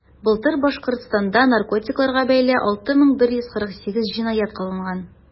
Былтыр Башкортстанда наркотикларга бәйле 6148 җинаять кылынган.